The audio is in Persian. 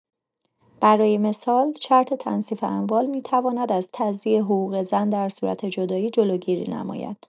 برای مثال، شرط تنصیف اموال می‌تواند از تضییع حقوق زن در صورت جدایی جلوگیری نماید.